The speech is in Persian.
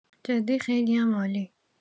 جدی خیلی‌ام عالی